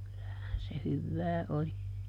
kyllähän se hyvää oli